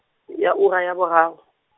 ya ura ya boraro.